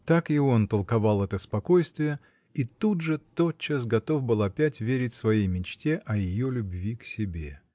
Так и он толковал это спокойствие и тут же тотчас готов был опять верить своей мечте о ее любви к себе.